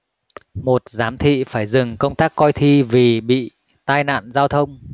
một giám thị phải dừng công tác coi thi vì bị tai nạn giao thông